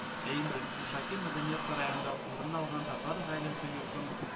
Ә инде Ушаки Мәдәният сараенда урын алган татар гаиләсе йортын